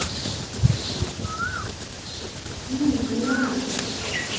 почему не понимаешь